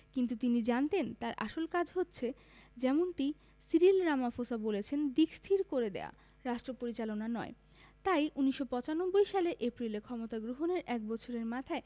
কিন্তু তিনি জানতেন তাঁর আসল কাজ হচ্ছে যেমনটি সিরিল রামাফোসা বলেছেন দিক স্থির করে দেওয়া রাষ্ট্রপরিচালনা নয় তাই ১৯৯৫ সালের এপ্রিলে ক্ষমতা গ্রহণের এক বছরের মাথায়